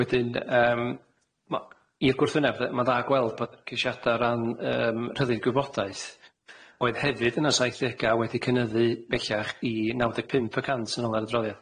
Wedyn yym ma' i'r gwrthyneb yy ma'n dda gweld bod gesiada o ran yym rhyddid gwybodaeth oedd hefyd yn y saithdega wedi cynyddu bellach i naw deg pump y cant yn ol a'r adroddiad.